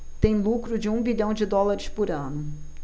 tem lucro de um bilhão de dólares por ano